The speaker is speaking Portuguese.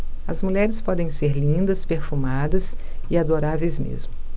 as mulheres podem ser lindas perfumadas e adoráveis mesmo